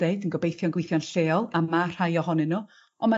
...deud yn gobeithio'n gwithio'n lleol, a ma' rhai ohonyn n'w. On' ma'